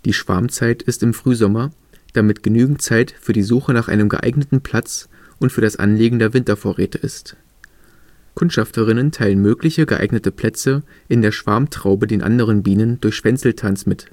Schwarmzeit ist im Frühsommer, damit genügend Zeit für die Suche nach einem geeigneten Platz und für das Anlegen der Wintervorräte ist. Kundschafterinnen teilen mögliche geeignete Plätze in der Schwarmtraube den anderen Bienen durch Schwänzeltanz mit